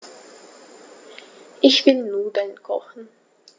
Ich will Nudeln kochen.